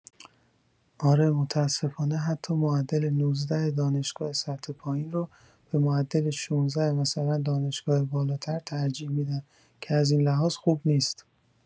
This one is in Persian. اره متاسفانه حتی معدل ۱۹ دانشگاه سطح پایین رو به معدل ۱۶ مثلا دانشگاه بالاتر ترجیح می‌دن که ازین لحاظ خوب نیست.